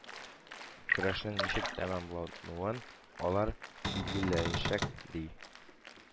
Көрәшнең ничек тәмамлануын алар билгеләячәк, ди.